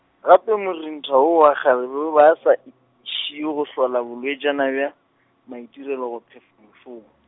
gape morentha woo wa kgarebe o be a sa, i- šie go hlola bolwetšana bja, maitirelo go phefa mošomo.